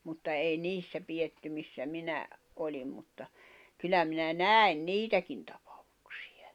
mutta ei niissä pidetty missä minä olin mutta kyllä minä näin niitäkin tapauksiakin